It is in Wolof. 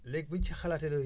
léegi bu ñu si xalaatee